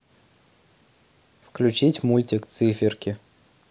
включить мультик циферки